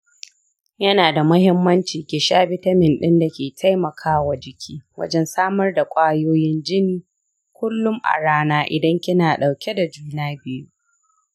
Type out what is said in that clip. yanada muhimmanci kisha bitamin ɗin dake taimakawa jiki wajen samar da kwayoyin jini kullum a rana idan kina ɗauke da juna biyu.